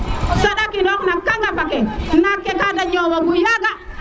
sa ɗa xi noox na kandafa ke naak ke kada ñowo gu yaaga